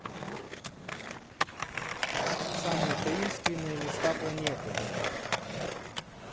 самые таинственные места планеты